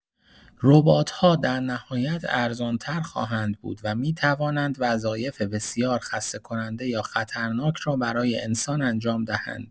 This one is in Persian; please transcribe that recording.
ربات‌ها در نهایت ارزان‌تر خواهند بود و می‌توانند وظایف بسیار خسته‌کننده یا خطرناک را برای انسان انجام دهند.